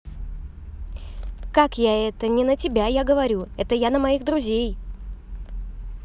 как я это не на тебя я говорю это я на моих друзей